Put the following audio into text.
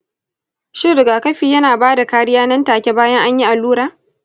shin rigakafi yana ba da kariya nan take bayan an yi allura?